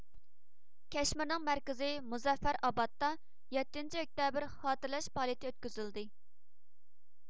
كەشمىرنىڭ مەركىزى مۇزەففەرئابادتا يەتتىنچى ئۆكتەبىر خاتىرىلەش پائالىيىتى ئۆتكۈزۈلدى